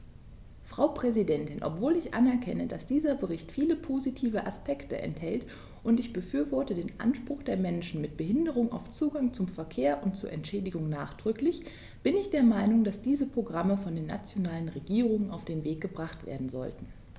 Frau Präsidentin, obwohl ich anerkenne, dass dieser Bericht viele positive Aspekte enthält - und ich befürworte den Anspruch der Menschen mit Behinderung auf Zugang zum Verkehr und zu Entschädigung nachdrücklich -, bin ich der Meinung, dass diese Programme von den nationalen Regierungen auf den Weg gebracht werden sollten.